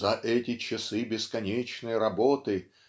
"за эти часы бесконечной работы.